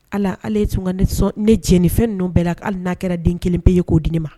Allah hali e ye tun ka ne sɔn ne jɛ nin fɛn ninnu bɛɛ la , hali n'a kɛra den 1 pe ye k'o di ne ma!